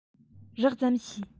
རགས ཙམ ཤེས